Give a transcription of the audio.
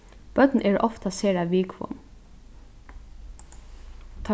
børn eru ofta sera viðkvom